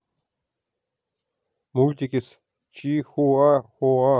мультики с чихуа хуа